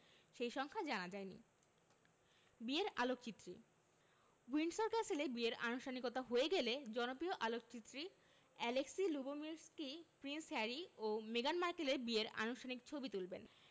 সেই সংখ্যা জানা যায়নি বিয়ের আলোকচিত্রী উইন্ডসর ক্যাসেলে বিয়ের আনুষ্ঠানিকতা হয়ে গেলে জনপ্রিয় আলোকচিত্রী অ্যালেক্সি লুবোমির্সকি প্রিন্স হ্যারি ও মেগান মার্কেলের বিয়ের আনুষ্ঠানিক ছবি তুলবেন